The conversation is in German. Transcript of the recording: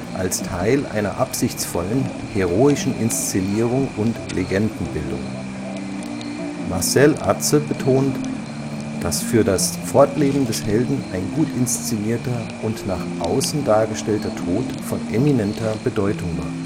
als Teil einer absichtsvollen „ heroischen Inszenierung “und „ Legendenbildung “. Marcel Atze betont, „ daß für das Fortleben des Helden ein gut inszenierter und nach außen dargestellter Tod von eminenter Bedeutung war